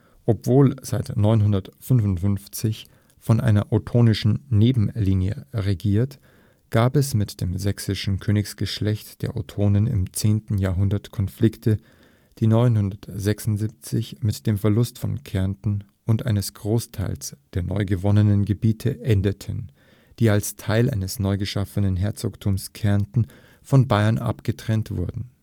Obwohl seit 955 von einer ottonischen Nebenlinie regiert, gab es mit dem sächsischen Königsgeschlecht der Ottonen im 10. Jahrhundert Konflikte, die 976 mit dem Verlust von Kärnten und eines Großteils der neu gewonnenen Gebiete endeten, die als Teil eines neu geschaffenen Herzogtums Kärnten von Baiern abgetrennt wurden